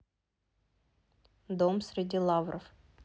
дом среди лавров